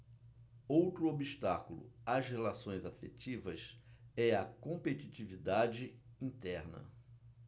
outro obstáculo às relações afetivas é a competitividade interna